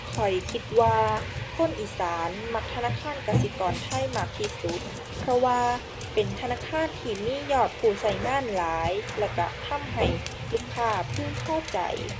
ข้อยคิดว่าคนอีสานมักธนาคารกสิกรไทยมากที่สุด เพราะว่าเป็นธนาคารที่มียอดผู้ใช้งานหลาย แล้วใช้ทำให้ลูกค้าพึงพอใจ